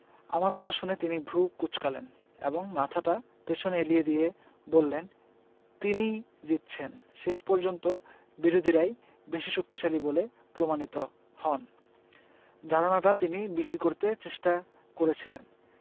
আমার কথা শুনে তিনি ভ্রু কুঁচকালেন এবং মাথাটা পেছন এলিয়ে দিয়ে বললেন তিনিই জিতছেন শেষ পর্যন্ত বিরোধীরাই বেশি শক্তিশালী বলে প্রমাণিত হন ধারণাটা তিনি বিক্রি করতে চেষ্টা করেছিলেন